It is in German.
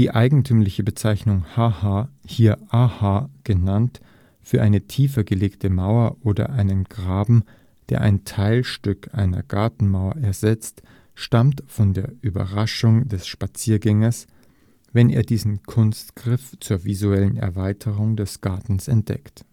eigentümliche Bezeichnung Ha-Ha, hier Aha genannt, für eine tiefer gelegte Mauer oder für einen Graben, der ein Teilstück einer Gartenmauer ersetzt, stammt von der Überraschung des Spaziergängers, wenn er diesen Kunstgriff zur visuellen Erweiterung des Gartens entdeckt